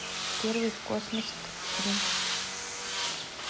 первый в космосе гагарин